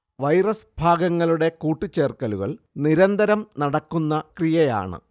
virus ഭാഗങ്ങളുടെ കൂട്ടിച്ചേർക്കലുകൾ നിരന്തരം നടക്കുന്ന ക്രിയയാണ്